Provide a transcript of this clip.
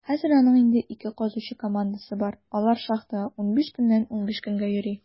Хәзер аның инде ике казучы командасы бар; алар шахтага 15 көннән 15 көнгә йөри.